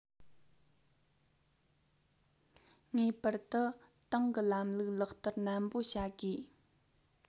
ངེས པར དུ ཏང གི ལམ ལུགས ལག བསྟར ནན པོ བྱ དགོས